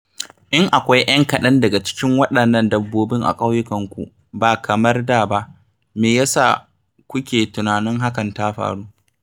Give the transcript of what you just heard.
In akwai 'yan kaɗan daga cikin irin waɗannan dabbobin a ƙauyukanku ba kamar da ba, me ya sa kuke tunanin hakan ta faru?